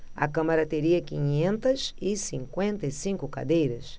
a câmara teria quinhentas e cinquenta e cinco cadeiras